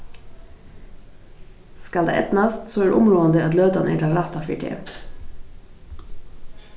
skal tað eydnast so er umráðandi at løtan er tann rætta fyri teg